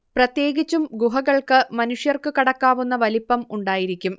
പ്രത്യേകിച്ചും ഗുഹകൾക്ക് മനുഷ്യർക്ക് കടക്കാവുന്ന വലിപ്പം ഉണ്ടായിരിക്കും